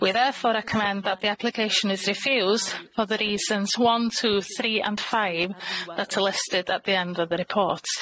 We therefore recommend that the application is refused for the reasons one two three and five that are listed at the end of the report.